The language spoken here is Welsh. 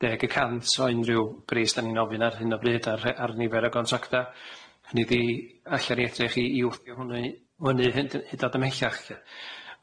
deg y cant o unrhyw bris 'dan ni'n ofyn ar hyn o bryd ar rhe- ar nifer o gontacta, hynny 'di 'allan i edrych i i wthio hwnny hynny hyd yn o'd ymhellach.